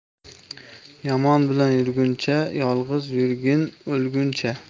yomon bilan yurguncha yolg'iz yurgin o'lguncha